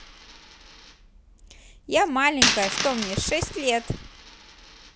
я маленькая что мне шесть лет